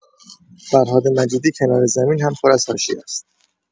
فرهاد مجیدی کنار زمین هم پر از حاشیه‌ست.